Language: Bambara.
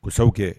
Saw kɛ